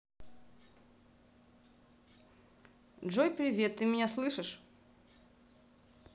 джой привет ты меня слышишь